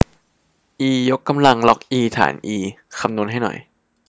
อียกกำลังล็อกอีฐานอีคำนวณให้หน่อย